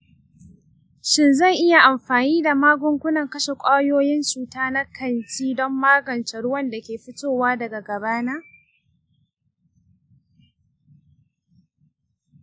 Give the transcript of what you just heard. shin zan iya amfani da magungunan kashe ƙwayoyin cuta na kanti don magance ruwan da ke fitowa daga gaba na?